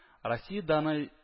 Россия даны